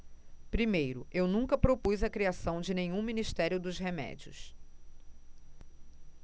primeiro eu nunca propus a criação de nenhum ministério dos remédios